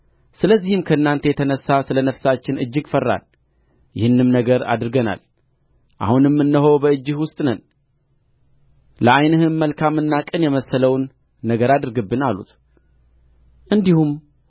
ስለዚህም ከእናንተ የተነሣ ስለ ነፍሳችን እጅግ ፈራን ይህንንም ነገር አድርገናል አሁንም እነሆ በእጅህ ውስጥ ነን ለዓይንህም መልካምና ቅን የመሰለውን ነገር አድርግብን አሉት እንዲሁም